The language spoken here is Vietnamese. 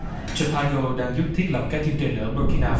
chờ pai cô đang giúp thiết lập các chương trình ở bu ki na